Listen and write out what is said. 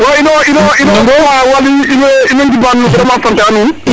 wa ino ino ino in way ngid ma nuun vraiment sante a nuun